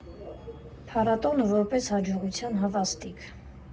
Փառատոնը՝ որպես հաջողության հավաստիք։